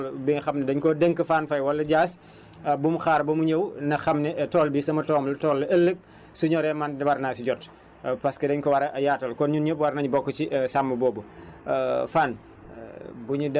bu mu xaar ba bu séenee dara ci tool bi nga xam ne dañ koo dénk Fane Faye wala Dias bu mu xaar ba mu ñëw na xam ne tool bi sama tool la ëllëg su ñoree man de war naa si jot parce que dañ ko war a yaatal kon ñun ñëpp war nañu bokk si sàmm boobu